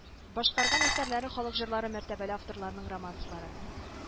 Башкарган әсәрләре халык ырлары мәртәбәле авторларның романслары